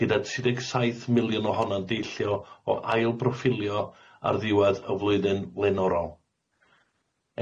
gyda tri deg saith miliwn ohona'n deillio o ail broffilio ar ddiwedd y flwyddyn lenorol.